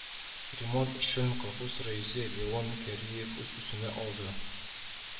Ремонт эшен колхоз рәисе Леон Кирәев үз өстенә алды